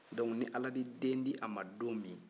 dɔnki ni ala be den di a ma don min